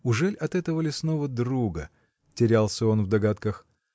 Ужели от этого лесного “друга”? — терялся он в догадках.